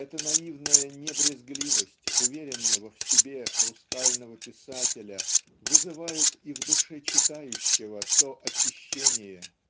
эта наивная небрезгливость уверенного в себе хрустального писателя вызывает и в душе читающего то очищение